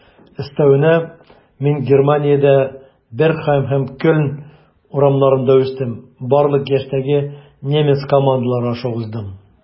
Өстәвенә, мин Германиядә, Бергхайм һәм Кельн урамнарында үстем, барлык яшьтәге немец командалары аша уздым.